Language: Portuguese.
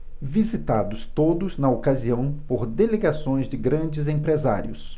visitados todos na ocasião por delegações de grandes empresários